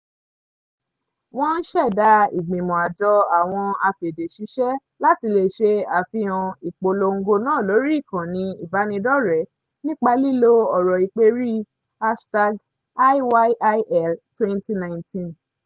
Wọ́n ń ṣẹ̀dá ìgbìmọ̀ àjọ àwọn afèdèṣiṣẹ́ láti lè ṣe àfihàn ìpolongo náà lórí ìkànnì ìbánidọ́rẹ̀ẹ́ nípa lílo ọ̀rọ̀ ìpèrí #IYIL2019.